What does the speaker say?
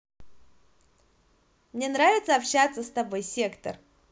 мне нравится общаться с тобой сектор